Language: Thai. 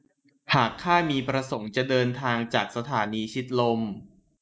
หากข้ามีประสงค์จะเดินทางจากสถานีชิดลม